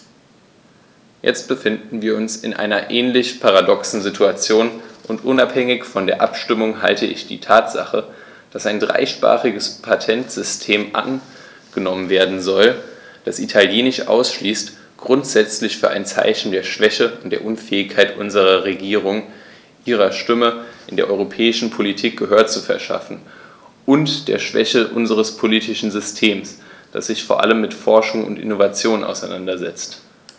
Jetzt befinden wir uns in einer ähnlich paradoxen Situation, und unabhängig von der Abstimmung halte ich die Tatsache, dass ein dreisprachiges Patentsystem angenommen werden soll, das Italienisch ausschließt, grundsätzlich für ein Zeichen der Schwäche und der Unfähigkeit unserer Regierung, ihrer Stimme in der europäischen Politik Gehör zu verschaffen, und der Schwäche unseres politischen Systems, das sich vor allem mit Forschung und Innovation auseinandersetzt.